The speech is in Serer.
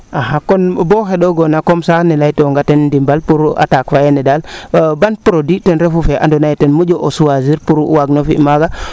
axa kon bo xendo goona comme ca ne ley toonga teen ndimbal attaque fa yeene daal ban produit ten refu fee ando naye ten oƴo o choisir pour waag no fi o maaga